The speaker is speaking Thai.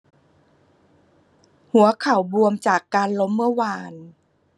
หัวเข่าบวมจากการล้มเมื่อวาน